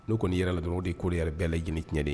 Ne kɔnni yer'a la dɔrɔn o de ko ni yɛrɛ bɛɛ lajɛlen cɛnnen ye